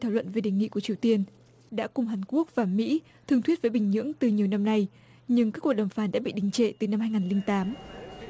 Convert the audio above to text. thảo luận về đề nghị của triều tiên đã cùng hàn quốc và mỹ thương thuyết với bình nhưỡng từ nhiều năm nay nhưng các cuộc đàm phán đã bị đình trệ từ năm hai ngàn linh tám